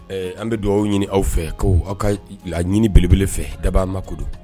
Ɛɛ an bɛ dugawu aw ɲini aw fɛ k' aw ka ɲini belebele fɛ daan ma ko don